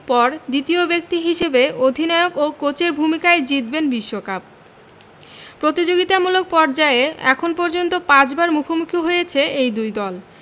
পর দ্বিতীয় ব্যক্তি হিসেবে অধিনায়ক ও কোচের ভূমিকায় জিতবেন বিশ্বকাপ প্রতিযোগিতামূলক পর্যায়ে এখন পর্যন্ত পাঁচবার মুখোমুখি হয়েছে এই দুই দল